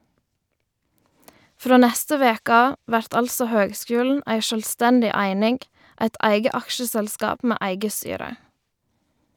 Frå neste veke av vert altså høgskulen ei sjølvstendig eining, eit eige aksjeselskap med eige styre.